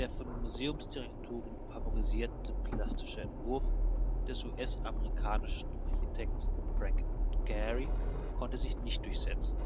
von den Museumsdirektoren favorisierte plastische Entwurf des US-amerikanischen Architekten Frank Gehry konnte sich nicht durchsetzen